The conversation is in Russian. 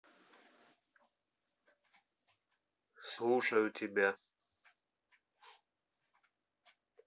слушаю тебя